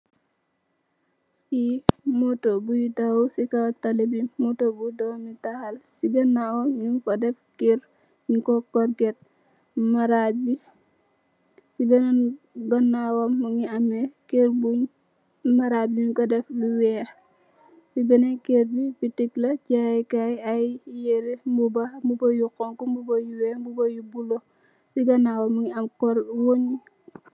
Lii motto buy daw si kow tali bi la, motto bu doom taal, si ganaaw ñung fa def kër, ñung ko korget, maraaj bi, si benen ganaawam, kër bi ñung ko def lu weex. Si benen kër bi, bitik la, jaaye kaay ay yiree, mbuba yu xoñxa, mbuba yu weex, mbuba yu bulo. Si ganaaw mu gi am korget ak wéng.